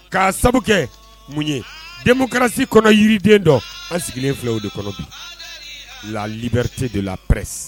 K'a sabu kɛ mun ye démocratie kɔnɔ yiriden dɔ an sigilen filɛ o de kɔnɔ bi la liberté de la presse